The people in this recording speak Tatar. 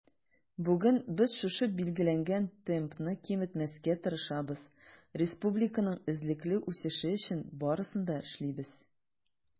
Бүген без шушы билгеләнгән темпны киметмәскә тырышабыз, республиканың эзлекле үсеше өчен барысын да эшлибез.